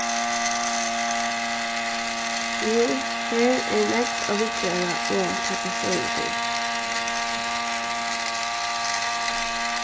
jú her er nógv at viðgera og taka støðu til